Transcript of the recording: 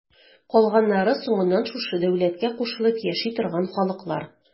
Калганнары соңыннан шушы дәүләткә кушылып яши торган халыклар.